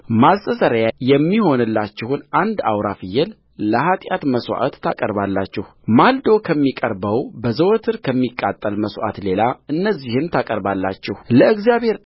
ማስተስረያ የሚሆንላችሁን አንድ አውራ ፍየል ለኃጢአት መሥዋዕት ታቀርባላችሁማልዶ ከሚቀርበው በዘወትር ከሚቃጠል መሥዋዕት ሌላ እነዚህን ታቀርባላችሁለእግዚአብሔር